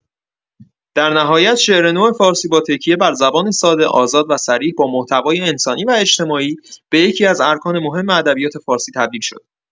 در نهایت، شعر نو فارسی با تکیه بر زبان ساده، آزاد و صریح، با محتوای انسانی و اجتماعی، به یکی‌از ارکان مهم ادبیات فارسی تبدیل شد.